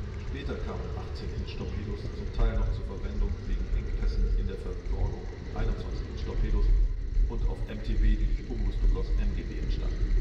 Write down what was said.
Später kamen 18 Inch Torpedos zum Teil noch wegen Engpässen in der Versorgung mit 21 Inch Torpedos und auf MTB zur Verwendung, die durch Umrüstung aus MGB entstanden